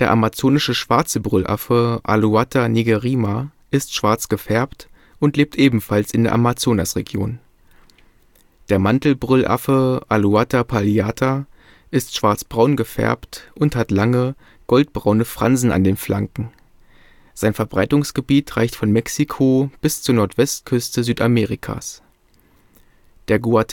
Amazonische Schwarze Brüllaffe (Alouatta nigerrima) ist schwarz gefärbt und lebt ebenfalls in der Amazonasregion. Der Mantelbrüllaffe (Alouatta palliata) ist schwarzbraun gefärbt und hat lange, goldbraune Fransen an den Flanken. Sein Verbreitungsgebiet reicht von Mexiko bis zur Nordwestküste Südamerikas. Der